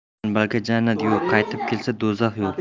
tanbalga jannat yo'q qaytib kelsa do'zax yo'q